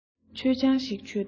མཆོད ཆང ཞིག མཆོད དང